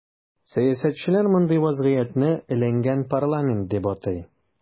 Сәясәтчеләр мондый вазгыятне “эленгән парламент” дип атый.